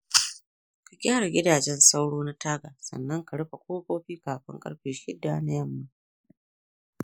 ka gyara gidajen sauro na taga sannan ka rufe kofofi kafin karfe shida na yamma.